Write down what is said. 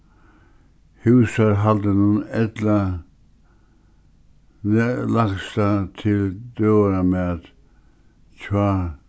húsarhaldinum ella til døgurðamat hjá